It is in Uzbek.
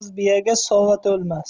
yolg'iz biyaga sova to'lmas